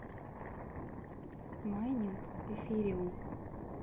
майнинг эфириум